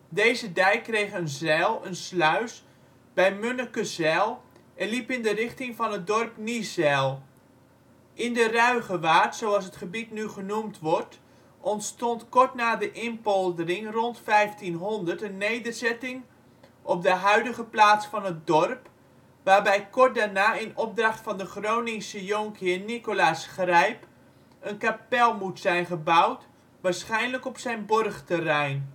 Deze dijk kreeg een zijl (sluis) bij Munnekezijl en liep in de richting van het dorp Niezijl. In de Ruigewaard, zoals het gebied nu genoemd wordt, ontstond kort na de inpoldering rond 1500 een nederzetting op de huidige plaats van het dorp, waarbij kort daarna in opdracht van de Groningse jonkheer Nicolaas Grijp een kapel moet zijn gebouwd, waarschijnlijk op zijn borgterein